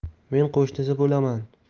men qo'shnisi bo'laman